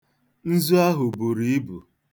Nzu ahụ buru ibu.